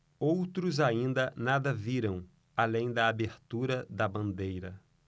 outros ainda nada viram além da abertura da bandeira